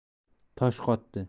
tosh qotdi